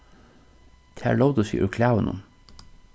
tær lótu seg úr klæðunum